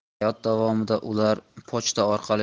hayot davomida ular pochta orqali